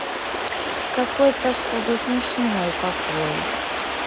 какой то что то смешной какой